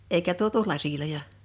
eikä tuotu laseja